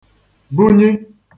bùnyi